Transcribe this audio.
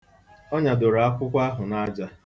Ọ nyadoro akwụkwọ ahụ n'aja.